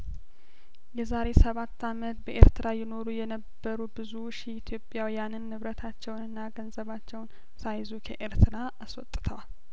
የዛሬ ሰባት አመት በኤርትራ ይኖሩ የነበሩ ብዙ ሺህ ኢትዮጵያውያንን ንብረታቸውንና ገንዘባቸውን ሳይዙ ከኤርትራ አስወጥተዋል